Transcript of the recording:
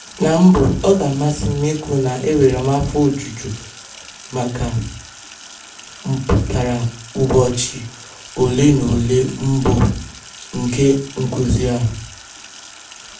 Na mbụ, ọ ga-amasị m ikwu na enwere m afọ ojuju maka mpụtara ụbọchị ole na ole mbụ nke nkụzi a.